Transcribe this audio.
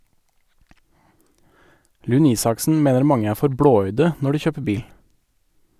Lund-Isaksen mener mange er for blåøyde når de kjøper bil.